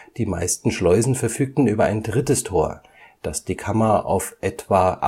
Die meisten Schleusen verfügten über ein drittes Tor, das die Kammer auf ca. 28,30